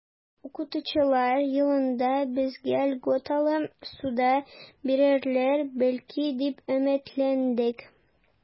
Укытучылар елында безгә льготалы ссуда бирерләр, бәлки, дип өметләндек.